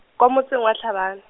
kwa motseng wa Tlhabano.